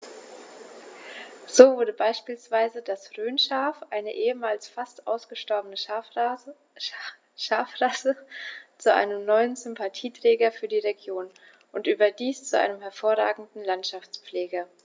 So wurde beispielsweise das Rhönschaf, eine ehemals fast ausgestorbene Schafrasse, zu einem neuen Sympathieträger für die Region – und überdies zu einem hervorragenden Landschaftspfleger.